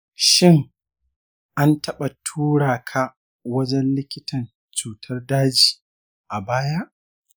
shin an taɓa tura ka wajen likitan cutar daji a baya?